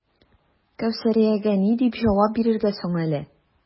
Кәүсәриягә ни дип җавап бирергә соң әле?